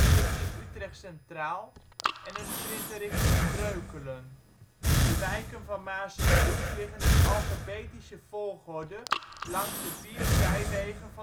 richting Utrecht Centraal en een Sprinter richting Breukelen. De wijken van Maarssenbroek liggen in alfabetische volgorde langs de vier zijwegen